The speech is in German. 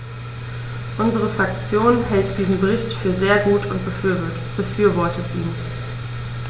Unsere Fraktion hält diesen Bericht für sehr gut und befürwortet ihn.